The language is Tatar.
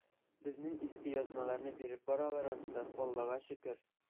Безнең иске язмаларны биреп баралар ансы, Аллага шөкер.